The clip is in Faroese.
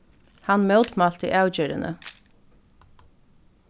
hann mótmælti avgerðini